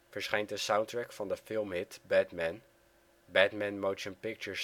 verschijnt de soundtrack van de filmhit Batman, Batman Motion Picture